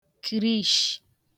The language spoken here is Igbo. krịsh